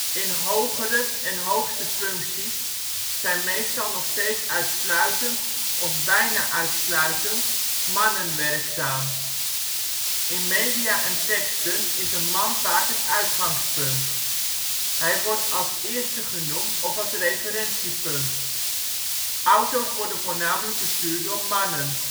in hogere en hoogste functies zijn meestal nog steeds uitsluitend, of bijna uitsluitend mannen werkzaam. in media en teksten is een man vaak het uitgangspunt. Hij wordt als eerste genoemd of is referentiepunt. auto 's worden voornamelijk bestuurd door mannen